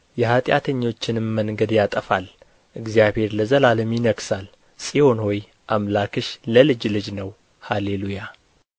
የኃጢአተኞችንም መንገድ ያጠፋል እግዚአብሔር ለዘላለም ይነግሣል ጽዮን ሆይ አምላክሽ ለልጅ ልጅ ነው ሃሌ ሉያ